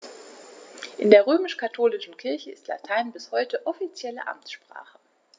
In der römisch-katholischen Kirche ist Latein bis heute offizielle Amtssprache.